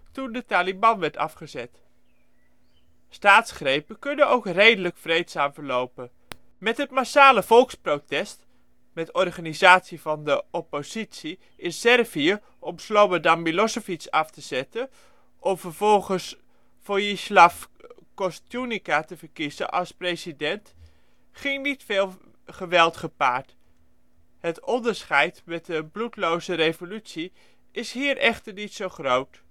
toen de Taliban werden afgezet. Staatsgrepen kunnen ook redelijk vreedzaam verlopen. Met het massale volksprotest - met organisatie van de oppositie - in Servië om Slobodan Milošević af te zetten, om vervolgens Vojislav Koštunica te verkiezen als president, ging niet veel geweld gepaard. Het onderscheid met een bloedloze revolutie is hier echter niet zo groot